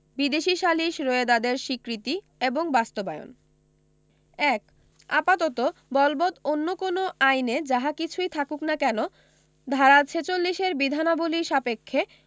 বিদেশী সালিস রোয়েদাদের স্বীকৃতি এবং বাস্তবায়ন ১ আপাততঃ বলবৎ অন্য কোন আইনে যাহা কিছুই থাকুক না কেন ধারা ৪৬ এর বিধানাবলী সাপেক্ষে